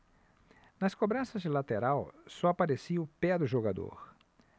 nas cobranças de lateral só aparecia o pé do jogador